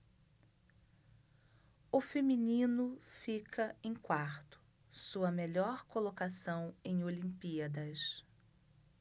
o feminino fica em quarto sua melhor colocação em olimpíadas